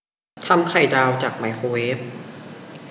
ทำไข่ดาวจากไมโครเวฟ